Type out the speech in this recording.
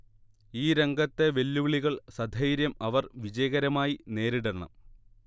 ഈ രംഗത്തെ വെല്ലുവിളികൾ സധൈര്യം അവർ വിജയകരമായി നേരിടണം